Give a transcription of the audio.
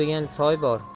degan soy bor